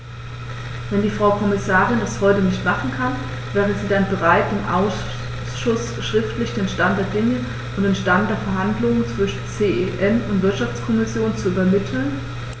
Wenn die Frau Kommissarin das heute nicht machen kann, wäre sie dann bereit, dem Ausschuss schriftlich den Stand der Dinge und den Stand der Verhandlungen zwischen CEN und Wirtschaftskommission zu übermitteln?